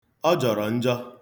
Ọ jọrọ njọ.